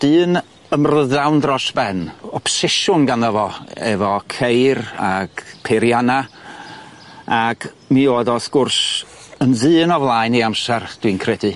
Dyn ymryddawn dros ben obsesiwn ganddo fo efo ceir ag peirianna ag mi o'dd o wrth gwrs yn ddyn o flaen ei amser dwi'n credu.